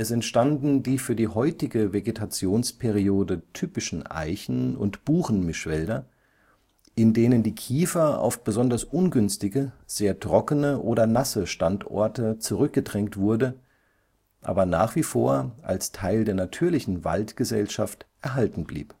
entstanden die für die heutige Vegetationsperiode typischen Eichen - und Buchenmischwälder, in denen die Kiefer auf besonders ungünstige, sehr trockene oder nasse Standorte zurückgedrängt wurde, aber nach wie vor als Teil der natürlichen Waldgesellschaft erhalten blieb